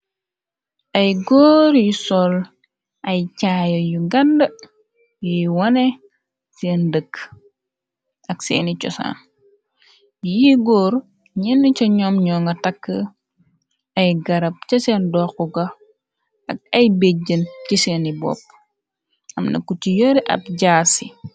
Ay gór yu sol ay caayé yu nganda yuy waneh sèèn dëk ak sèèni cosaan yi gór ñenna ci ñom ñoo nga takk ay garab ca seen ndoxaga ak ay béjjën ci seeni bop amna ko ci yore ab jààsi.